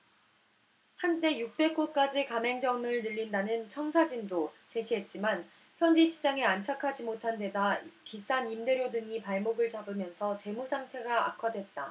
한때 육백 곳까지 가맹점을 늘린다는 청사진도 제시했지만 현지 시장에 안착하지 못한데다 비싼 임대료 등이 발목을 잡으면서 재무상태가 악화됐다